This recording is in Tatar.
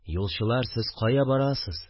– юлчылар, сез кая барасыз